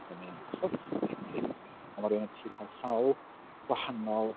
so mae o'n bach o synthetig ond mae rhywun yn gallu cael sawl gwahanol...